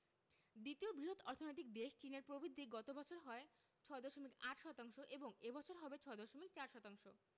দ্বিতীয় বৃহৎ অর্থনৈতিক দেশ চীনের প্রবৃদ্ধি গত বছর হয় ৬.৮ শতাংশ এবং এ বছর হবে ৬.৪ শতাংশ